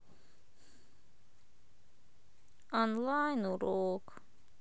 онлайн урок